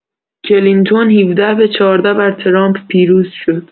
کلینتون ۱۷ به ۱۴ بر ترامپ پیروز شد